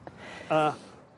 A